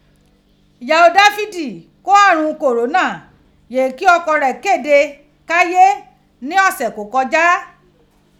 Ìyao Dáfídì ko arun kòrónà yee ki ọkọ rẹ kede kaye ni ọsẹ o kọja.